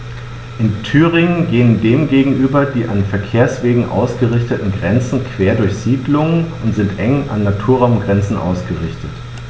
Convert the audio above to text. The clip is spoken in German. In Thüringen gehen dem gegenüber die an Verkehrswegen ausgerichteten Grenzen quer durch Siedlungen und sind eng an Naturraumgrenzen ausgerichtet.